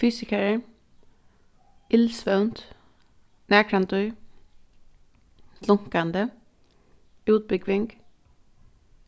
fysikarar illsvøvnt nakrantíð flunkandi útbúgving